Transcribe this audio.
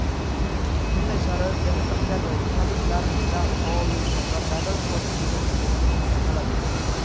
bunday sharoit yana bir karra jurnalistlarimizdan faolllikni va dadil pozitsiyada bo'lishni talab etadi